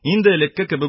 Инде элекке кебек